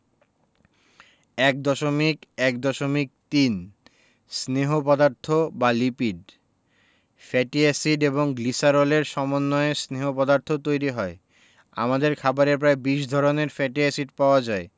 ১.১.৩ স্নেহ পদার্থ বা লিপিড ফ্যাটি এসিড এবং গ্লিসারলের সমন্বয়ে স্নেহ পদার্থ তৈরি হয় আমাদের খাবারে প্রায় ২০ ধরনের ফ্যাটি এসিড পাওয়া যায়